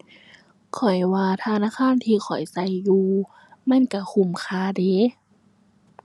ข้อยว่าธนาคารที่ข้อยใช้อยู่ มันใช้คุ้มค่าเดะ